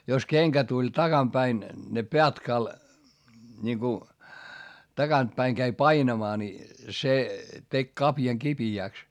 jos kenkä tuli takana päin ne - niin kun takaa päin kävi painamaan niin se teki kavion kipeäksi